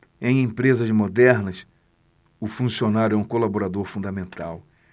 em empresas modernas o funcionário é um colaborador fundamental